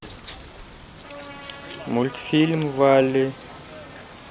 мультфильм валли